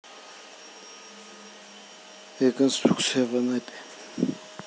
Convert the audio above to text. реконструкция в анапе